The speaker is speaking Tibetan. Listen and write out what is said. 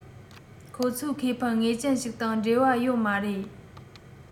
ཁོ ཚོའི ཁེ ཕན ངེས ཅན ཞིག དང འབྲེལ བ ཡོད མ རེད